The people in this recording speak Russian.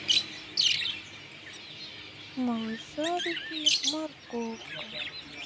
малышарики морковка